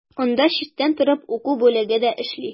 Анда читтән торып уку бүлеге дә эшли.